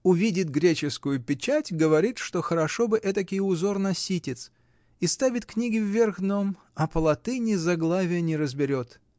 Увидит греческую печать, говорит, что хорошо бы этакий узор на ситец, и ставит книги вверх дном, а по-латыни заглавия не разберет.